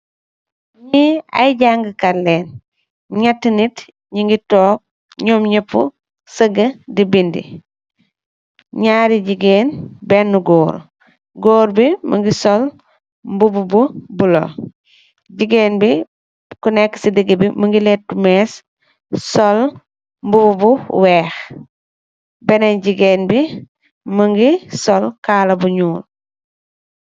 Ñi ay jàngkat leen ñett nit, ñi ngi toog ñoom ñepp sëgga di bindi ñaari jigéen benn góor. Góor bi mëngi sol mbub bu bulo, jigéen bi ku nekk ci diggi bi më ngi lettu mees, sol mbub bu weex, benen jigéen bi më ngi sol kaala bu ñuul.